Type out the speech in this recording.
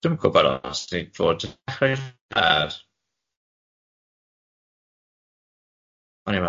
Dwi'm yn gwbod os ti fod i ddechrau